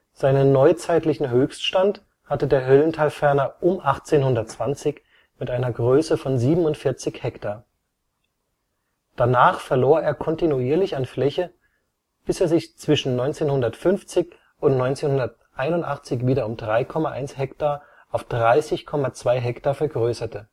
Seinen neuzeitlichen Höchststand hatte der Höllentalferner um 1820 mit einer Größe von 47 ha. Danach verlor er kontinuierlich an Fläche, bis er sich zwischen 1950 und 1981 wieder um 3,1 ha auf 30,2 ha vergrößerte